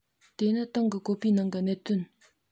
དེ ནི སྟེང གི བཀོད པའི ནང གི གནད དོན